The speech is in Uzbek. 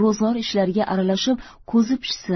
ro'zg'or ishlariga aralashib ko'zi pishsin